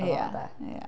Ia, ia.